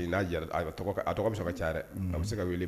N'a a tɔgɔ bɛ se ka ca an bɛ se ka